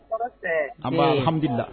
An ma ha la